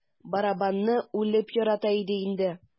Барабанны үлеп ярата иде инде.